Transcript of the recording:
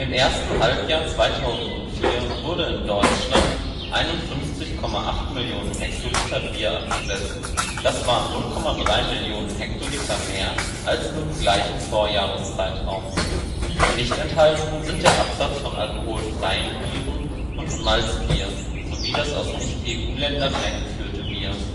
ersten Halbjahr 2004 wurden in Deutschland 51,8 Millionen Hektoliter Bier abgesetzt, das waren 0,3 Millionen Hektoliter mehr als im gleichen Vorjahreszeitraum. Nicht enthalten sind der Absatz von alkoholfreien Bieren und Malzbier sowie das aus Nicht-EU-Ländern eingeführte Bier